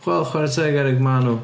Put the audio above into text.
Wel, chwarae teg Eric Manu.